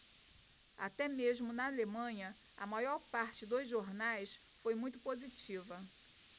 até mesmo na alemanha a maior parte dos jornais foi muito positiva